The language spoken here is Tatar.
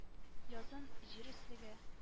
Язын җир өслеге